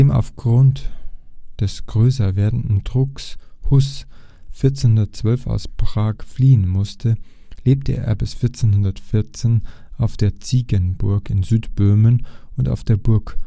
Aufgrund des größer werdenden Drucks floh Hus 1412 aus Prag und lebte bis 1414 auf der Ziegenburg in Südböhmen und auf der Burg